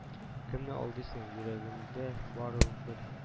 Кемне алдыйсың, йөрәгендә барыбер